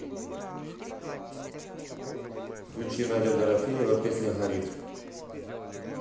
включи надя дорофеева песня горит